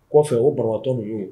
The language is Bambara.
Kɔfɛ o banabatɔ nunun